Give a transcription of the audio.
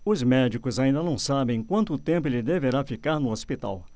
os médicos ainda não sabem quanto tempo ele deverá ficar no hospital